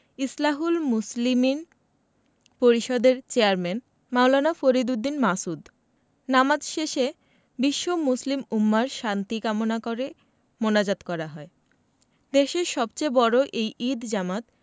ইসলাহুল মুসলিমিন পরিষদের চেয়ারম্যান মাওলানা ফরিদ উদ্দীন মাসউদ নামাজ শেষে বিশ্ব মুসলিম উম্মাহর শান্তি কামনা করে মোনাজাত করা হয় দেশের সবচেয়ে বড় এই ঈদ জামাত